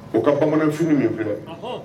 O ka bamanansu min filɛ